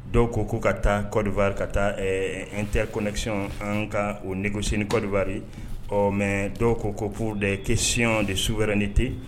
Dɔw ko ko ka taa kɔdibanri ka taa an tɛ kɔnɛsiyɔn an ka o nsen kɔbanri ɔ mɛ dɔw ko kopur de kɛsiyɔn de su wɛrɛ ni ten